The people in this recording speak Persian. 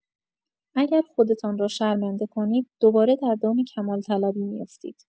اگر خودتان را شرمنده کنید، دوباره در دام کمال‌طلبی می‌افتید.